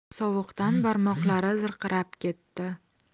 sovuqdan barmoqlari zirqirab ketdi